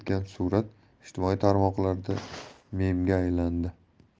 etgan surat ijtimoiy tarmoqlarda memga aylandi